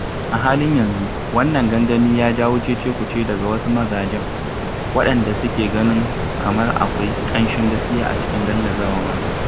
A halin yanzu, wannan gangami ya jawo cece-kuce daga wasu mazajen waɗanda suke ganin kamar akwai ƙanshin gaskiya a cikin gallazawa matan.